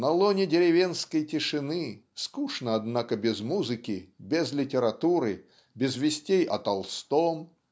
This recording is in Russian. на лоне деревенской тишины скучно однако без музыки без литературы без вестей о Толстом